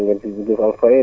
ci baykat